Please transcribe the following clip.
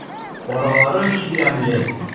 Аралары чирәмле.